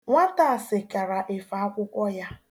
Nwata a sekara efe akwụkwọ ya.